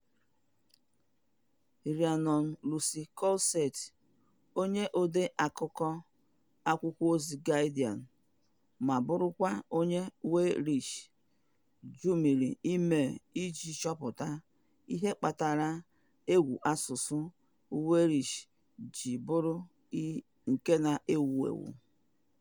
Rhiannon Lucy Cosslett, onye odeakụkọ akwụkwọozi Guardian ma bụrụkwa onye Welsh, jụmiri ime iji chọpụta ihe kpatara egwu asụsụ Welsh ji bụrụ nke na-ewu ewu.